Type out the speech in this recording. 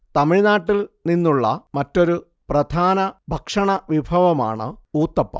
തമിഴ്നാട്ടിൽ നിന്നുള്ള മറ്റൊരു പ്രധാന ഭക്ഷണവിഭവമാണ് ഊത്തപ്പം